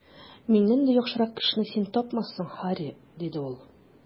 Миннән дә яхшырак кешене син тапмассың, Һарри, - диде ул.